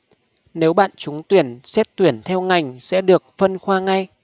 nếu bạn trúng tuyển xét tuyển theo ngành sẽ được phân khoa ngay